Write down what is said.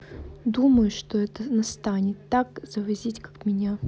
думаю что это настанет так завозить как меня